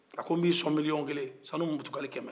a ko n b'i sɔn miliyɔn kelen sanu mutukale kɛmɛ